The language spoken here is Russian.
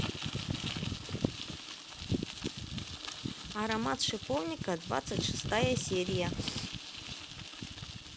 аромат шиповника двадцать шестая серия